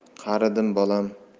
qaridim bolam